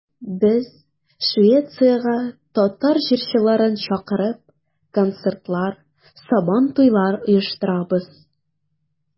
Без, Швециягә татар җырчыларын чакырып, концертлар, Сабантуйлар оештырабыз.